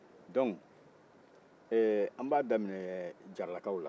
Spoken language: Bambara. dɔnc ɛɛ an b'a daminɛ ɛɛ jaralakaw